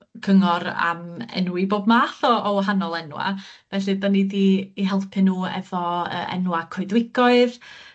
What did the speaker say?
cyngor am enwi bob math o o wahanol enwa' felly 'dan ni 'di 'u helpu nw efo yy enwa' coedwigoedd.